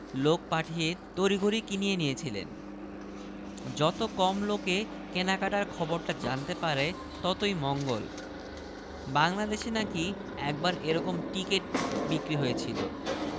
লোক পাঠিয়ে তড়িঘড়ি কিনিয়ে নিয়েছিলেন যত কম লোকে কেনাকাটার খবরটা জানতে পারে ততই মঙ্গল বাঙলা দেশে নাকি একবার এরকম টিকেট বিক্রি হয়েছিল